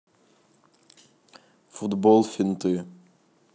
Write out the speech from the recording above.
футбол финты